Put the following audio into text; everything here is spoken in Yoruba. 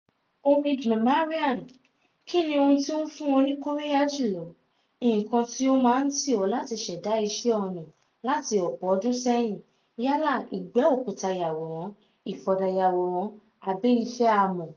Omid Memarian: Kínni ohun tí ó ń fún ọ ní kóríyá jùlọ, nǹkan tí ó máa ń tì ọ́ láti ṣẹ̀dá iṣẹ́ ọnà láti ọ̀pọ̀ ọdún sẹ́yìn, yálà ìgbẹ́-òkúta-yàwòrán, ìfọ̀dà-yàwòrán, àbí iṣẹ́ amọ̀?